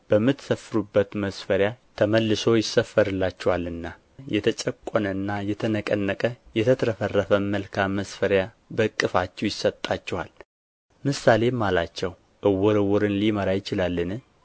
በምትሰፍሩበት መስፈሪያ ተመልሶ ይሰፈርላችኋልና የተጨቈነና የተነቀነቀ የተትረፈረፈም መልካም መስፈሪያ በእቅፋችሁ ይሰጣችኋል ምሳሌም አላቸው ዕውር ዕውርን ሊመራ ይችላልን